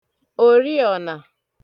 òriọ̀nà